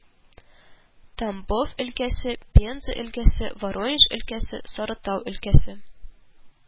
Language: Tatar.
Тамбов өлкәсе, Пенза өлкәсе, Воронеж өлкәсе, Сарытау өлкәсе